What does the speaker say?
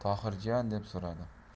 tohir jiyan deb so'radi